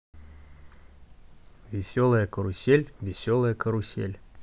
веселая карусель веселая карусель